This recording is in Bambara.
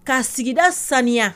Ka sigida saniya.